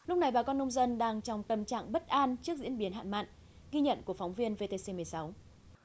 lúc này bà con nông dân đang trong tâm trạng bất an trước diễn biến hạn mặn ghi nhận của phóng viên vê tê xê mười sáu